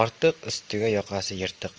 ortiq ustiga yoqasi yirtiq